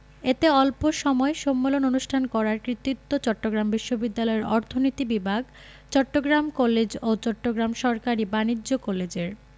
এতে অল্প এ সম্মেলন অনুষ্ঠান করার কৃতিত্ব চট্টগ্রাম বিশ্ববিদ্যালয়ের অর্থনীতি বিভাগ চট্টগ্রাম কলেজ এবং চট্টগ্রাম সরকারি বাণিজ্য কলেজের